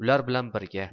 ular bilan birga